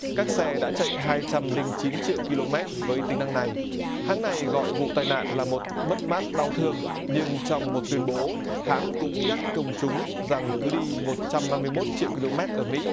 các xe đã chạy hai trăm linh chín triệu ki lô mét với tính năng này hãng này gọi vụ tai nạn là một mất mát đau thương nhưng trong một tuyên bố hãng cũng nhắc công chúng rằng cứ đi một trăm năm mươi mốt triệu ki lô mét ở mỹ